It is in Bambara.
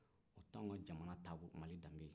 o tɛ anw ka jamana taabolo mali danbe ye